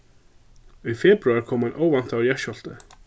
í februar kom ein óvæntaður jarðskjálvti